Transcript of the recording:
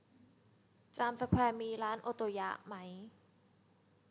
จามสแควร์มีร้านโอโตยะไหม